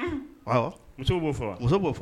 Musow muso b'o fɔ muso b'o fɔ